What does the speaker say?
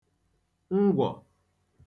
ngwọ̀